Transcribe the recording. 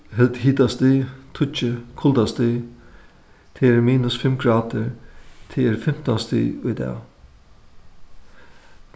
hitastig tíggju kuldastig tað eru minus fimm gradir tað eru fimtan stig í dag